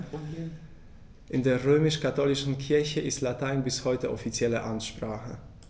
In der römisch-katholischen Kirche ist Latein bis heute offizielle Amtssprache.